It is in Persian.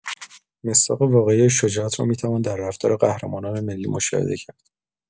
مصداق واقعی شجاعت را می‌توان در رفتار قهرمانان ملی مشاهده کرد.